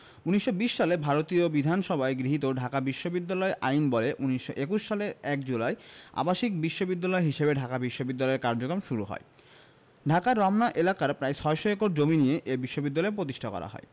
১৯২০ সালে ভারতীয় বিধানসভায় গৃহীত ঢাকা বিশ্ববিদ্যালয় আইনবলে ১৯২১ সালের ১ জুলাই আবাসিক বিশ্ববিদ্যালয় হিসেবে ঢাকা বিশ্ববিদ্যালয়ের কার্যক্রম শুরু হয় ঢাকার রমনা এলাকার প্রায় ৬০০ একর জমি নিয়ে এ বিশ্ববিদ্যালয় প্রতিষ্ঠা করা হয়